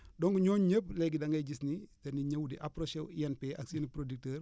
donc ñooñu ñëpp léegi da ngay gis ni dañuy ñëw di approché wu INP ak seen i producteurs